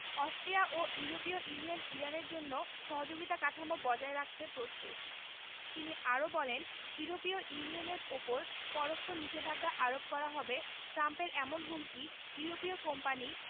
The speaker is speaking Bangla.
অস্ট্রিয়া এবং ইউরোপীয় ইউনিয়ন ইরানের জন্য সহযোগিতা কাঠামো বজায় রাখতে প্রস্তুত তিনি আরও বলেন ইউরোপীয় ইউনিয়নের ওপর পরোক্ষ নিষেধাজ্ঞা আরোপ করা হবে ট্রাম্পের এমন হুমকি ইউরোপীয় কোম্পানি